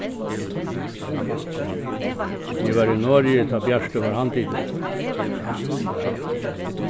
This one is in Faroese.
eg var í noregi tá bjartur varð handtikin